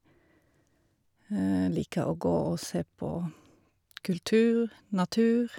Liker og gå og se på kultur, natur.